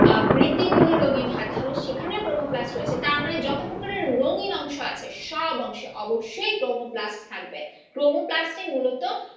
বৃতি গুলো রঙিন হয় সেখানেও ক্রোমোপ্লাস্ট রয়েছে তার মানে যত প্রকারের রঙিন অংশ আছে সবংশে অবশ্যই ক্রোমোপ্লাস্ট থাকবে ক্রোমোপ্লাস্ট এ মূলত